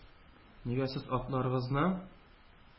-нигә сез атларыгызны